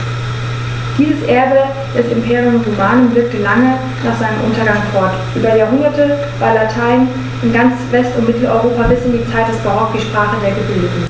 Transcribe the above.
Dieses Erbe des Imperium Romanum wirkte lange nach seinem Untergang fort: Über Jahrhunderte war Latein in ganz West- und Mitteleuropa bis in die Zeit des Barock die Sprache der Gebildeten.